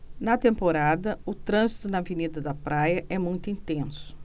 na temporada o trânsito na avenida da praia é muito intenso